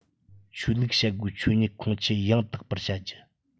ཆོས ལུགས བྱེད སྒོའི ཆོས ཉིད ཁོང ཆུད ཡང དག པར བྱ རྒྱུ